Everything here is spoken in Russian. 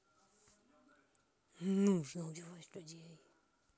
нужно убивать людей